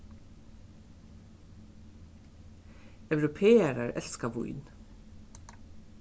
europearar elska vín